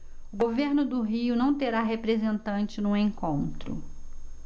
o governo do rio não terá representante no encontro